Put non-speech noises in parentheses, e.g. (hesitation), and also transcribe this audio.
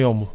(hesitation) (hesitation)